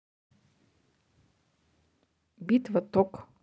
битва ток